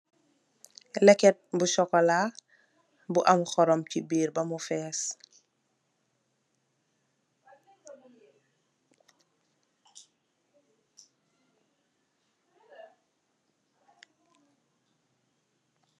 Lekek bu sokola, bu oxrom ci biir bemmu fess.